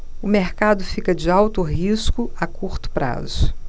o mercado fica de alto risco a curto prazo